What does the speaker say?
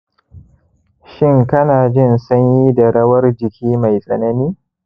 shin kana jin sanyi da rawar jiki mai tsanani